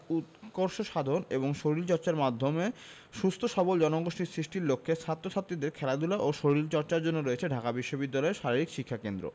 উৎকর্ষ সাধন এবং শরীরচর্চার মাধ্যমে সুস্থ সবল জনগোষ্ঠী সৃষ্টির লক্ষ্যে ছাত্র ছাত্রীদের খেলাধুলা ও শরীরচর্চার জন্য রয়েছে ঢাকা বিশ্ববিদ্যালয়ে শারীরিক শিক্ষাকেন্দ্র